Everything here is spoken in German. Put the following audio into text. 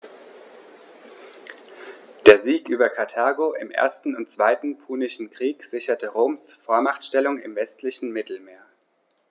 Der Sieg über Karthago im 1. und 2. Punischen Krieg sicherte Roms Vormachtstellung im westlichen Mittelmeer.